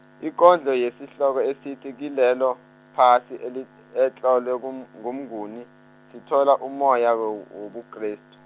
ikondlo yesihloko esithi kilelo phasi eli- etlolwe, nguM- nguMnguni, sithola ummoya, wo- wobuKrestu.